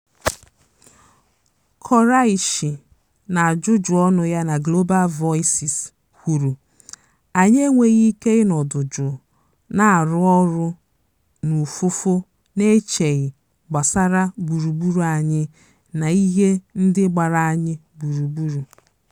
Koraichi n'ajụjụọnụ ya na Global Voices kwuru, "Anyị enweghị ike ịnọdụ jụ na-arụ ọrụ n'ufufo n'echeghị gbasara gburugburu anyị na ihe ndị gbara anyị gburugburu."